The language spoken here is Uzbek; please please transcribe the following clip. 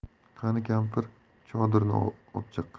qani kampir chodirni opchiq